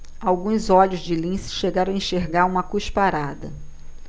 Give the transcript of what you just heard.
alguns olhos de lince chegaram a enxergar uma cusparada